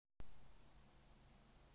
рыбалочка в махачкале